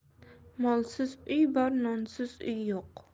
molsiz uy bor nonsiz uy yo'q